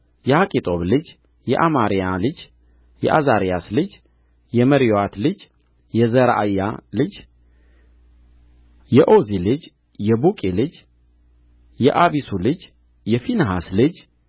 የአኪጦብ ልጅ የአማርያ ልጅ የዓዛርያስ ልጅ የመራዮት ልጅ የዘራእያ ልጅ የኦዚ ልጅ የቡቂ ልጅ የአቢሱ ልጅ የፊንሐስ ልጅ